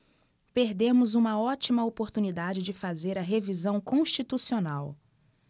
perdemos uma ótima oportunidade de fazer a revisão constitucional